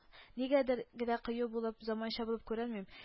Нигәдер генә кыю булып, заманча булып күренмим